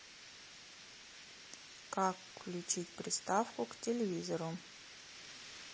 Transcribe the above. как включить приставку к телевизору